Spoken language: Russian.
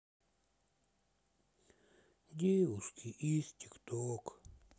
девушки из тик ток